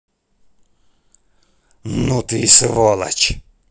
ну ты и сволочь